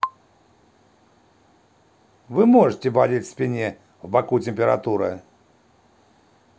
что может болеть в спине в боку температура